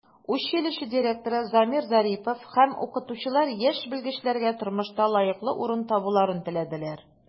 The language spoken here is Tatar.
Училище директоры Замир Зарипов һәм укытучылар яшь белгечләргә тормышта лаеклы урын табуларын теләделәр.